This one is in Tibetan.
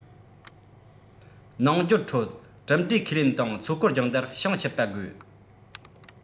ནང སྦྱོང ཁྲོད གྲུབ འབྲས ཁས ལེན དང མཚོ སྐོར སྦྱོང བརྡར བྱང ཆུབ པ དགོས